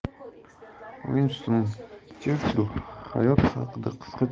uinston cherchill hayot haqida qisqacha so'zlar hayot